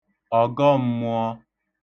ọ̀gọm̄mụ̄ọ̄